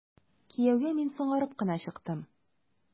Кияүгә мин соңарып кына чыктым.